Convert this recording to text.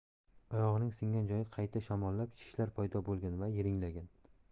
oyog'ining singan joyi qayta shamollab shishlar paydo bo'lgan va yiringlagan